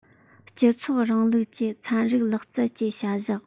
སྤྱི ཚོགས རིང ལུགས ཀྱི ཚན རིག ལག རྩལ གྱི བྱ གཞག